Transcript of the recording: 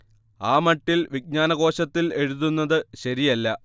ആ മട്ടിൽ വിജ്ഞാനകോശത്തിൽ എഴുതുന്നത് ശരിയല്ല